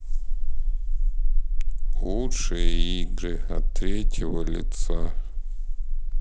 лучшие игры от третьего лица